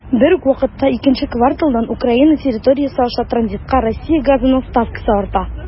Бер үк вакытта икенче кварталдан Украина территориясе аша транзитка Россия газының ставкасы арта.